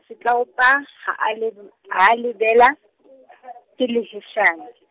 Setlaopa ha a lebo-, ha lebela, ke leheshane.